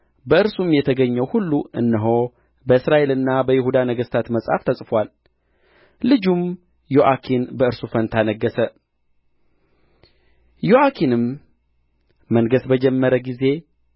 በእርሱም የተገኘው ሁሉ እነሆ በእስራኤልና በይሁዳ ነገሥታት መጽሐፍ ተጽፎአል ልጁም ዮአኪን በእርሱ ፋንታ ነገሠ ዮአኪንም መንገሥ በጀመረ ጊዜ